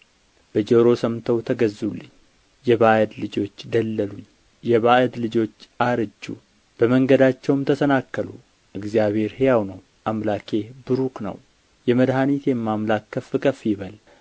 በጆሮ ሰምተው ተገዙልኝ የባዕድ ልጆች ደለሉኝ የባዕድ ልጆች አረጁ በመንገዳቸውም ተሰናከሉ እግዚአብሔር ሕያው ነው አምላኬም ቡሩክ ነው የመድኃኒቴም አምላክ ከፍ ከፍ ይበል